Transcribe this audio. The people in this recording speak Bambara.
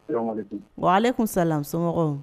Salamalekum waalekum salam somɔgɔw